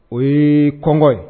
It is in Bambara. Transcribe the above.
O ye kɔngɔ ye